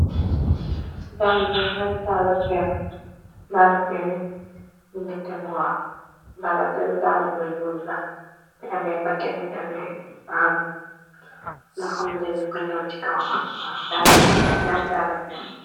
daalba ñadaala pern yina ten waaw daalaperu daala ba ñool la mi ame pakket nan ame aam lu xam dañu koñoor ci kawa dañaari daala per